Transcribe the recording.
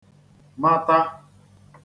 mata